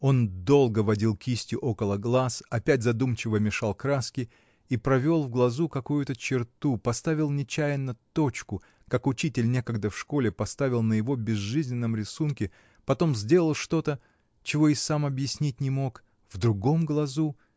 Он долго водил кистью около глаз, опять задумчиво мешал краски и провел в глазу какую-то черту, поставил нечаянно точку, как учитель некогда в школе поставил на его безжизненном рисунке, потом сделал что-то, чего и сам объяснить не мог, в другом глазу.